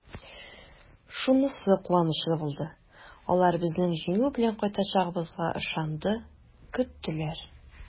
Шунысы куанычлы булды: алар безнең җиңү белән кайтачагыбызга ышанды, көттеләр!